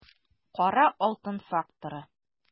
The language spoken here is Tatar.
Кара алтын факторы